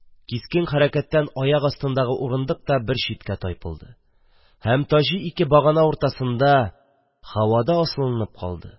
Кискен хәрәкәттән аяк астындагы урындык та бер читкә тайпылды, һәм Таҗи ике багана уртасында һавада асылынып калды.